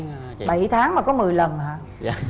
bảy tháng mà có mưới lần hả